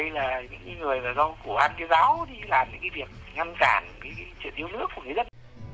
đây là cái người mà rau củ an giáo đi làm cái việc ngăn cản chuyện yêu nước của người dân